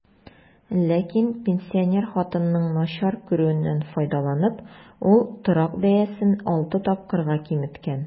Ләкин, пенсинер хатынның начар күрүеннән файдаланып, ул торак бәясен алты тапкырга киметкән.